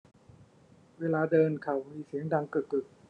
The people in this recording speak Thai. เวลาเดินเข่ามีเสียงดังกึกกึก